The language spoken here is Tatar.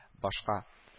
Башка